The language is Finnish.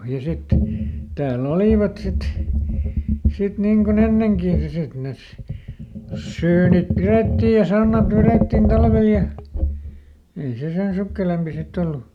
ja sitten niin täällä olivat sitten sitten niin kuin ennenkin ja sitten ne syynit pidettiin ja sannat vedettiin talvella ja ei se sen sukkelampi sitten ollut